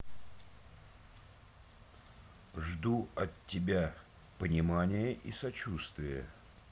жду от тебя понимание и сочувствие